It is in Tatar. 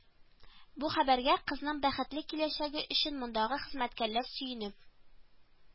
Бу хәбәргә, кызның бәхетле киләчәге өчен мондагы хезмәткәрләр сөенеп